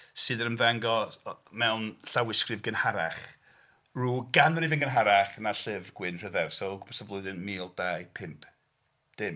Sydd yn ymddangos mewn llawysgrif gynharach, ryw ganrif yn gynharach 'na'r llyfr Gwyn Rhydderch, so, o gwmpas y flwyddyn mil dau pump dim.